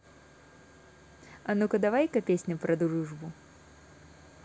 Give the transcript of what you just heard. а ну ка давай ка песня про дружбу